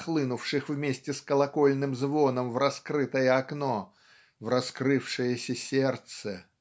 нахлынувших вместе с колокольным звоном в раскрытое окно в раскрывшееся сердце.